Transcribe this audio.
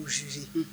U sue